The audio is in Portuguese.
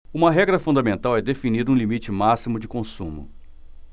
uma regra fundamental é definir um limite máximo de consumo